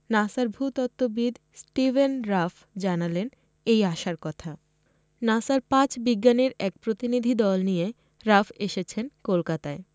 নাসার ভূতত্ত্ববিদ Steven Ruff জানালেন এই আশার কথা নাসার পাঁচ বিজ্ঞানীর এক প্রতিনিধিদল নিয়ে রাফ এসেছেন কলকাতায়